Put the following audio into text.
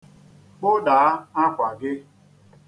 Kpụdaa akwa gị.